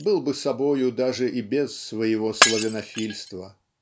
был бы собою даже и без своего славянофильства.